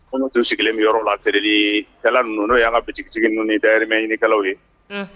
Kunun tun sigilen yɔrɔ lateli kala ninnu'o y ye bitigi ninnu ni daymɛ ɲini ye